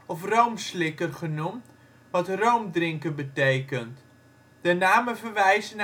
of roomslikker genoemd, wat roomdrinker betekent. De namen verwijzen